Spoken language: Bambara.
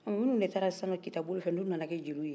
minun taara sisan kita bolo fɛ nin olu nana kɛ jeliw ye